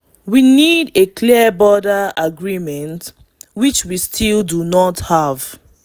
We need a clear border agreement, which we still do not have.